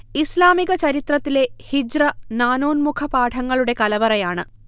ഇസ്ലാമിക ചരിത്രത്തിലെ ഹിജ്റ നാനോന്മുഖ പാഠങ്ങളുടെ കലവറയാണ്